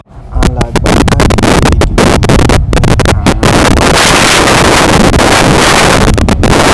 Án la gbà káàdì ìwé ìdìbo yí ni àghan àgọ́ ìdìbò nibo dede ni orílẹ̀ èdè yìí.